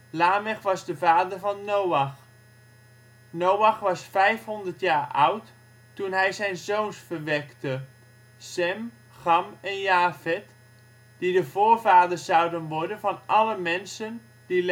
Lamech was de vader van Noach. Noach was 500 jaar oud toen hij zijn zoons verwekte: Sem, Cham en Jafet, die de voorvaders zouden worden van alle mensen die